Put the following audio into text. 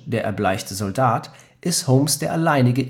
erbleichte Soldat) ist Holmes der alleinige